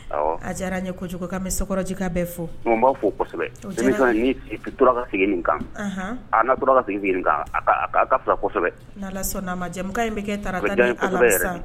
A diyara n ye ko kojugu ka bɛ sokɔrɔjɛka bɛ fɔ b'a fo kan a kasɛbɛ' in bɛ kɛ